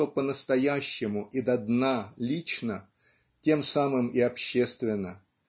что по-настоящему и до дна лично тем самым и общественно